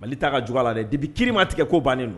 Mali taa ka dug la dɛ debi kiirima tigɛ ko bannen don